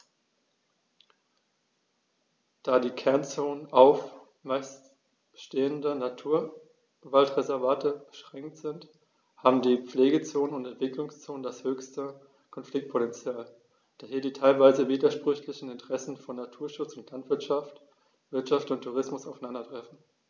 Da die Kernzonen auf – zumeist bestehende – Naturwaldreservate beschränkt sind, haben die Pflegezonen und Entwicklungszonen das höchste Konfliktpotential, da hier die teilweise widersprüchlichen Interessen von Naturschutz und Landwirtschaft, Wirtschaft und Tourismus aufeinandertreffen.